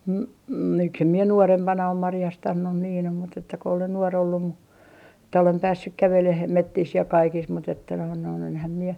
-- miksi en minä nuorempana ole marjastanut niin on mutta että kun olen nuori ollut mutta että olen päässyt kävelemään metsissä ja kaikissa mutta että noin noin enhän minä